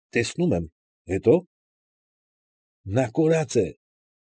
֊ Տեսնում եմ։ Հետո՞։ ֊ Նա կորած է։